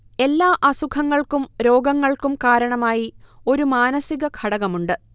എല്ലാ അസുഖങ്ങൾക്കും രോഗങ്ങൾക്കും കാരണമായി ഒരു മാനസികഘടകം ഉണ്ട്